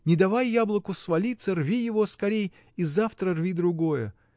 Не давай яблоку свалиться, рви его скорей и завтра рви другое.